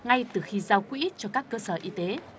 ngay từ khi giao quỹ cho các cơ sở y tế